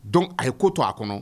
Dɔnkuc a ye ko to a kɔnɔ